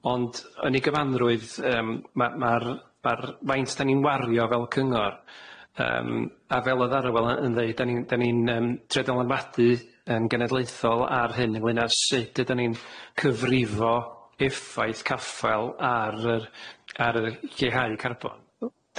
Ond yn ei gyfanrwydd yym ma' ma'r ma'r faint 'dan ni'n wario fel cyngor yym a fel odd Arwel yn yn ddeud 'dan ni'n 'dan ni'n yym trio dylanwadu yn genedlaethol ar hyn ynglŷn â sud ydan ni'n cyfrifo effaith caffael ar yr ar y lleihau carbon.